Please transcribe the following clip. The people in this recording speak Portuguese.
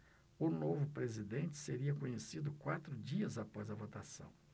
o novo presidente seria conhecido quatro dias após a votação